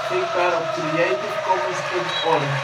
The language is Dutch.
6° 24 ' OL